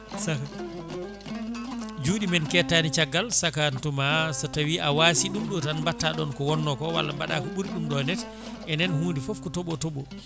saha juuɗe men kettani caggal sakantuma so tawi a waasi ɗum ɗo tan batta ɗon ko wonno ko walla mbaɗa ko ɓuuri ɗum ɗon nete enen hunde foof ko tooɓo tooo